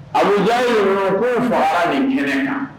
Abujan ye ko fagara nin kelen kan